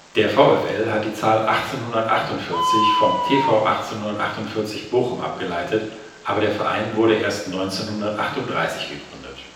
Der VfL hat die Zahl 1848 vom TV 1848 Bochum abgeleitet, aber der Verein wurde erst 1938 gegründet